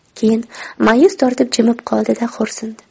keyin mayus tortib jimib qoldida xo'rsindi